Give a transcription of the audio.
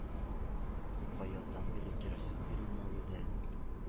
Клубка яздан бирле керосин бирелмәве дә,